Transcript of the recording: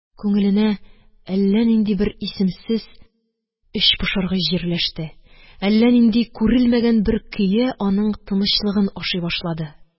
Күңеленә әллә нинди бер исемсез эчпошыргыч җирләште, әллә нинди күрелмәгән бер көя аның тынычлыгын ашый башлады